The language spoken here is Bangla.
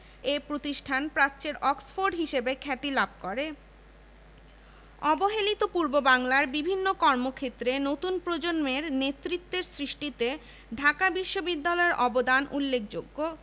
এ প্রতিষ্ঠান প্রাচ্যের অক্সফোর্ড হিসেবে খ্যাতি লাভ করে অবহেলিত পূর্ববাংলার বিভিন্ন কর্মক্ষেত্রে নতুন প্রজন্মের নেতৃত্ব সৃষ্টিতে ঢাকা বিশ্ববিদ্যালয়ের অবদান উল্লেখযোগ্য